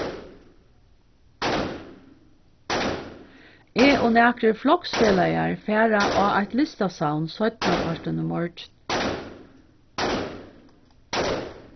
eg og nakrir floksfelagar fara á eitt listasavn seinnapartin í morgin